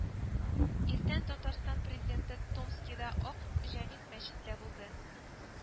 Иртән Татарстан Президенты Томскида Ак Җәмигъ мәчеттә булды